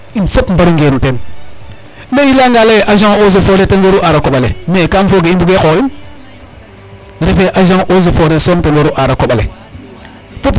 In fop mbaru ngeenu teen mais i layanga lay ee agent eaux et foret ten waru aar a koƥ ale kaam foogee i mbugee koox in refee agent eaux et foret ten waru aar a koƥ ale